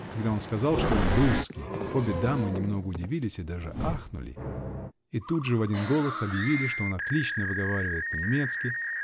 когда он сказал, что он русский, обе дамы немного удивились и даже ахнули -- и тут же, в один голос, объявили, что он отлично выговаривает по-немецки